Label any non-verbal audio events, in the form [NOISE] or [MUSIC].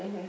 [HESITATION] [HESITATION]